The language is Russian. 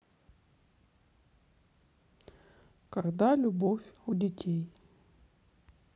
когда любовь у детей